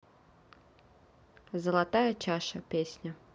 золотая чаша песня